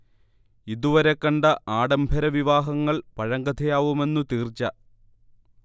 ഇതുവരെ കണ്ട ആഢംബര വിവാഹങ്ങൾ പഴങ്കഥയാവുമെന്നു തീർച്ച